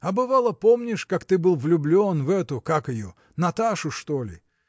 – А бывало, помнишь, как ты был влюблен в эту, как ее. Наташу, что ли?